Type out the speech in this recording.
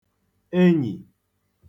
enyì